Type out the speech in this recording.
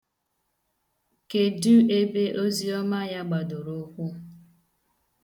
Kedụ ebe oziọma ya gbadoro ụkwụ?